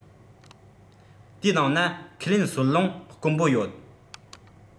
དེའི ནང ན ཁས ལེན གསོ རླུང དཀོན པོ ཡོད